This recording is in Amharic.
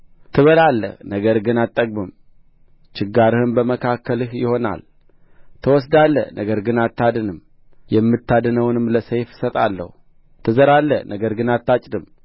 ትበላለህ ነገር ግን አትጠግብም ችጋርህም በመካከልህ ይሆናል ትወስዳለህ ነገር ግን አታድንም የምታድነውንም ለሰይፍ እሰጣለሁ ትዘራለህ ነገር ግን አታጭድም